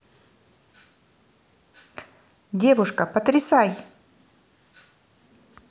девушка потрясай